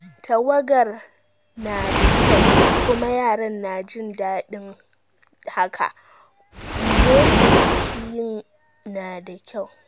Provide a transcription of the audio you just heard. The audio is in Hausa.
Tawagar nada kyau kuma yaran na jin dadi haka; motsa jikin na da kyau.